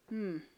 mm